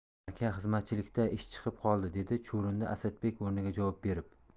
aka xizmatchilik da ish chiqib qoldi dedi chuvrindi asadbek o'rniga javob berib